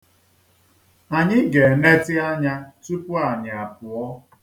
Anyị ga-enetị anya tupu anyị apụọ.